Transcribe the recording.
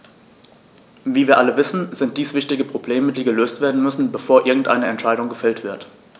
Wie wir alle wissen, sind dies wichtige Probleme, die gelöst werden müssen, bevor irgendeine Entscheidung gefällt wird.